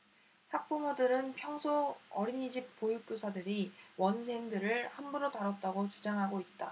학부모들은 평소 어린이집 보육교사들이 원생들을 함부로 다뤘다고 주장하고 있다